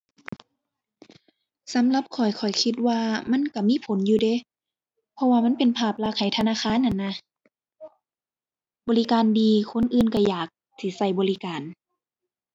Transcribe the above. สำหรับข้อยข้อยคิดว่ามันก็มีผลอยู่เดะ เพราะว่ามันเป็นภาพลักษณ์ให้ธนาคารนั่นนะ บริการดี คนอื่นก็อยากสิก็บริการ